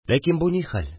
Ләкин бу ни хәл